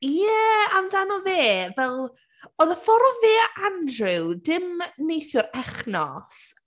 Ie, amdano fe, fel... oedd y ffordd oedd fe a Andrew, dim neithiwr, echnos...